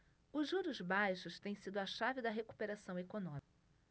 os juros baixos têm sido a chave da recuperação econômica